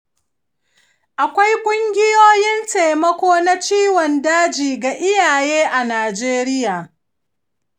akwai ƙungiyoyin taimako na ciwon daji ga iyaye a najeriya.